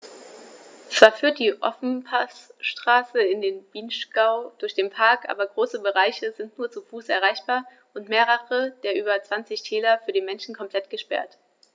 Zwar führt die Ofenpassstraße in den Vinschgau durch den Park, aber große Bereiche sind nur zu Fuß erreichbar und mehrere der über 20 Täler für den Menschen komplett gesperrt.